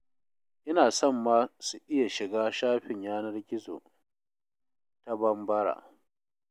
Ina son ma su iya shiga shafin yanar gizo ta Bambara.